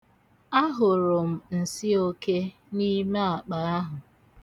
Ahụrụ nsi oke n'ime akpa ahụ.